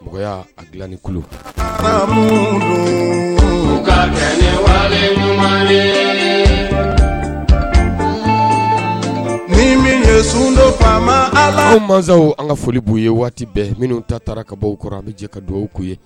Mɔgɔ a dilani kulu faama ka kɛ wa ye ni min ye sun dɔ faama a masaw an ka foli b' u ye waati bɛɛ minnu ta taara ka bɔ kɔrɔ an bɛ jɛ ka dugawu'u ye